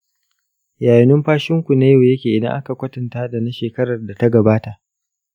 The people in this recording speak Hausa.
yaya numfashinku na yau yake idan aka kwatanta da na shekarar da ta gabata?